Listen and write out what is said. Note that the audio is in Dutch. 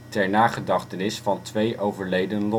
ter nagedachtenis van twee overleden